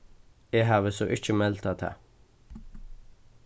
eg havi so ikki meldað tað